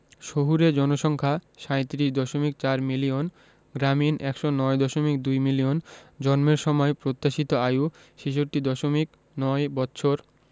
শহুরে জনসংখ্যা ৩৭দশমিক ৪ মিলিয়ন গ্রামীণ ১০৯দশমিক ২ মিলিয়ন জন্মের সময় প্রত্যাশিত আয়ু ৬৬দশমিক ৯ বৎসর